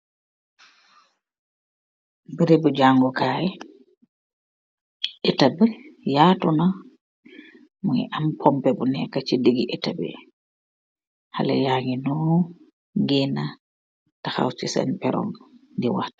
Beureubu jaangu kaii, ehtah bii yaatuna mui amm pompeh bu neka chi digi ehtah bii, haleh yangy nnu gehnah takhaw chi sen pehrong di wakh.